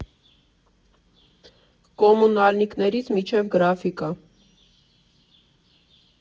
Կոմունալնիկներից մինչև գրաֆիկա։